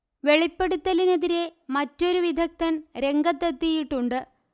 വെളിപ്പെടുത്തലിനെതിരെ മറ്റൊരു വിദഗ്ധൻ രംഗത്തെത്തിയിട്ടുണ്ട്